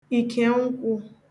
ìkènkwụ̄